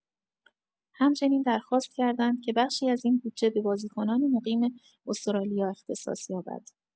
همچنین درخواست کردند که بخشی از این بودجه به بازیکنان مقیم استرالیا اختصاص یابد.